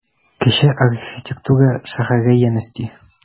Кече архитектура шәһәргә ямь өсти.